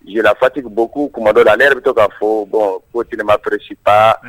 Jirafatigi bɔ k'u kuma dɔda ne yɛrɛ bɛ to ka fɔ bɔn ko tilemaresiba